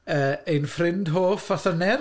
yy ein ffrind hoff a thyner?